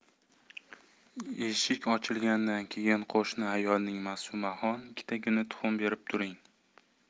eshik ochilgandan keyin qo'shni ayolning ma'sumaxon ikkitagina tuxum berib turing